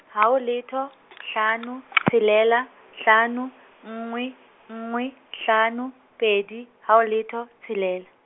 ha ho letho, hlano, tshelela, hlano, nngwe, nngwe, hlano, pedi, ha ho letho, tshelela.